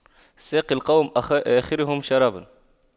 ساقي القوم آخرهم شراباً